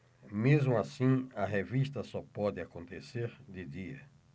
mesmo assim a revista só pode acontecer de dia